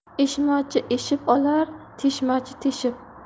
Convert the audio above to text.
eshmachi eshib olar teshmachi teshib